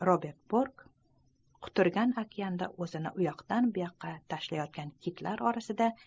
robert bork qutirgan okeanda o'zini uyoqdan bu yoqqa tashlayotgan kitlar orasida